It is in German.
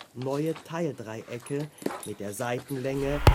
neue Teildreiecke mit der Seitenlänge